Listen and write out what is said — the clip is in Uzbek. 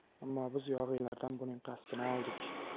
ammo biz yog'iylardan buning qasdini oldik